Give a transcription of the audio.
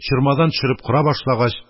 Чормадан төшереп кора башлагач,